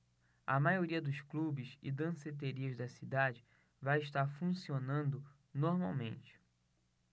a maioria dos clubes e danceterias da cidade vai estar funcionando normalmente